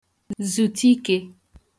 zùti ikē